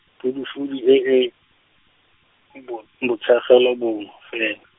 phudufudu e e, bo-, botsogelo bongwe fela.